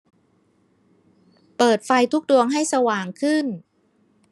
เปิดไฟทุกดวงให้สว่างขึ้น